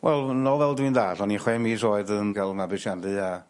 Wel f- nôl fel dwi'n dall' o'n i'n chwe mis oed yn ga'l 'yn mabwysiadu a